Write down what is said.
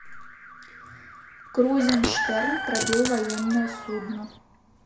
крузенштерн пробил военное судно